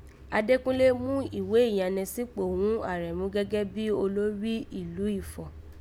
Adékúnlé mú ìwé ìyannẹsíkpò ghún Àrẹ̀mú gẹ́gẹ́ olórí ìlú Ifọ̀